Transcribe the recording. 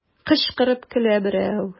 Кычкырып көлә берәү.